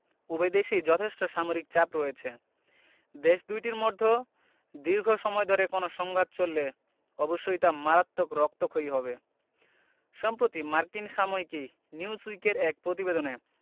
উভয় দেশেই যথেষ্ট সামরিক চাপ রয়েছে দেশ দুটির মধ্যে দীর্ঘ সময় ধরে কোনো সংঘাত চললে অবশ্যই তা মারাত্মক রক্তক্ষয়ী হবে সম্প্রতি মার্কিন সাময়িকী নিউজউইকের এক প্রতিবেদনে